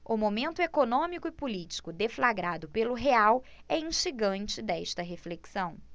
o momento econômico e político deflagrado pelo real é instigante desta reflexão